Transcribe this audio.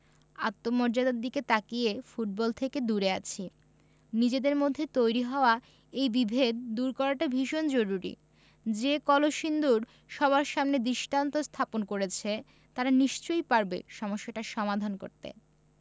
আত্মমর্যাদার দিকে তাকিয়ে ফুটবল থেকে দূরে আছি নিজেদের মধ্যে তৈরি হওয়া এই বিভেদ দূর করাটা ভীষণ জরুরি যে কলসিন্দুর সবার সামনে দৃষ্টান্ত স্থাপন করেছে তারা নিশ্চয়ই পারবে সমস্যাটার সমাধান করতে